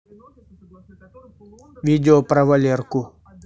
видео про валерку